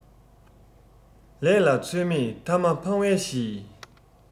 ལས ལ ཚོད མེད ཐ མ ཕང བའི གཞི